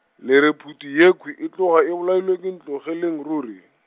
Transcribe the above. le re phuti yekhwi, e tloga e bolailwe ke Ntlogeleng ruri?